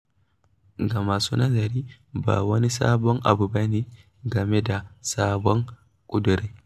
Ga masu nazari, ba wani sabon abu game da sabon ƙudurin.